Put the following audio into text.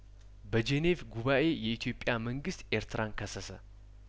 በጄኔቭ ጉባኤ የኢትዮጵያ መንግስት ኤርትራን ከሰሰ